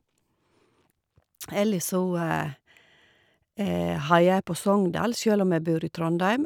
Ellers så heier jeg på Sogndal, sjøl om jeg bor i Trondheim.